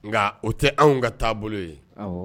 Nga o tɛ anw ka taabolo ye awɔ